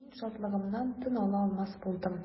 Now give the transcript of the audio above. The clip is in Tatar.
Мин шатлыгымнан тын ала алмас булдым.